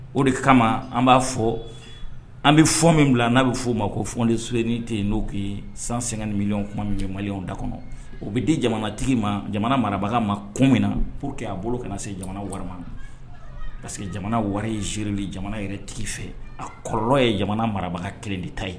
O de kama an b'a fɔ an bɛ fɔ min bila n'a bɛ'o ma ko fɔ de sonin tɛ yen n'o san san niɲɔgɔn kuma jɛw da kɔnɔ o bɛ di jamana tigi ma jamana marabaga ma ko min na pur que a bolo kana se jamana warama parce que jamana wɛrɛ ziirili jamana yɛrɛ tigi fɛ a kɔrɔlɔ ye jamana marabaga kelen de ta ye